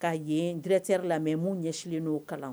Ka yen drete lamɛn mun ɲɛsinlen n'o kalan